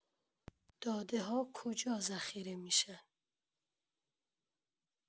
داده‌ها کجا ذخیره می‌شن؟